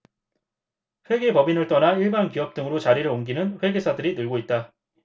회계법인을 떠나 일반 기업 등으로 자리를 옮기는 회계사들이 늘고 있다